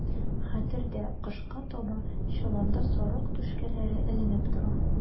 Хәтердә, кышка таба чоланда сарык түшкәләре эленеп тора.